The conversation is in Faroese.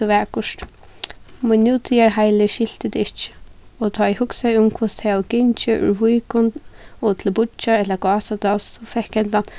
so vakurt mín nútíðarheili skilti tað ikki og tá eg hugsaði um hvussu tey hava gingið úr víkum og til bíggjar ella gásadals so fekk hendan